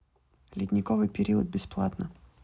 ледниковый период бесплатно